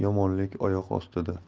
yomonlik oyoq ostida